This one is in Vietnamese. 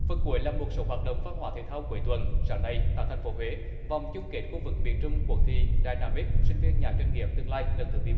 phần cuối là một số hoạt động văn hóa thể thao cuối tuần sáng nay tại thành phố huế vòng chung kết khu vực miền trung cuộc thi đai na mích sinh viên nhà doanh nghiệp tương lai lần thứ